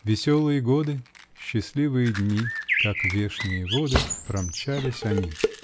Веселые годы, Счастливые дни -- Как вешние воды Промчались они!